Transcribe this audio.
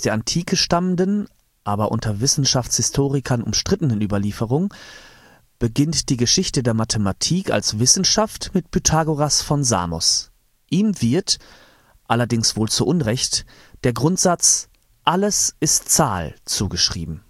Antike stammenden, aber unter Wissenschaftshistorikern umstrittenen Überlieferung beginnt die Geschichte der Mathematik als Wissenschaft mit Pythagoras von Samos. Ihm wird – allerdings wohl zu Unrecht – der Grundsatz „ Alles ist Zahl “zugeschrieben